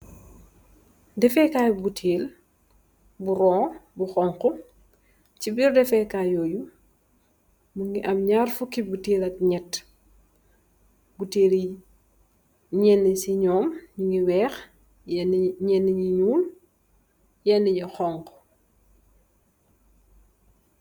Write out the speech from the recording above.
Dafe kai butter munge am nyarr fuku buttel ak nyatti yenen si nyum nyunge wekh yenen nyul yenen yi verta